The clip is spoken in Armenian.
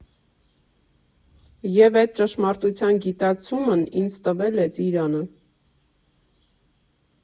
Եվ էդ ճշմարտության գիտակցումն ինձ տվել է Ծիրանը։